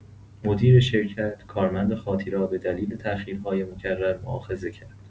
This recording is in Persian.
مدیر شرکت کارمند خاطی را به دلیل تاخیرهای مکرر مواخذه کرد.